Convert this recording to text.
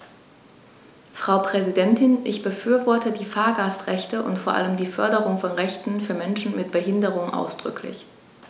Frau Präsidentin, ich befürworte die Fahrgastrechte und vor allem die Förderung von Rechten für Menschen mit Behinderung ausdrücklich.